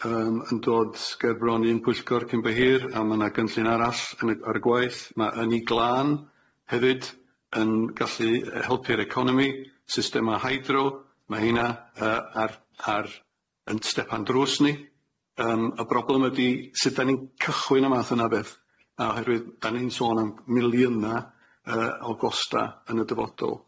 yym yn dod s- gerbron un pwyllgor cyn by hir a ma' na gynllun arall ar y gweill ma' ynni glân hefyd yn gallu yy helpu'r economi susdema haidro ma' heina yy ar ar yn stepan drws ni yym y broblem ydi sut dan ni'n cychwyn y math yna o beth a- oherwydd dan ni'n sôn am miliyna yy o gosta yn y dyfodol.